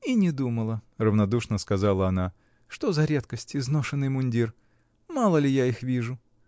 — И не думала, — равнодушно сказала она, — что за редкость — изношенный мундир? Мало ли я их вижу!